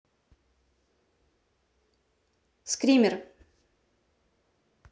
скример